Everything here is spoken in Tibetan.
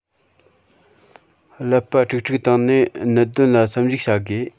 ཀླད པ དཀྲུག དཀྲུག བཏང ནས གནད དོན ལ བསམ གཞིགས བྱ དགོས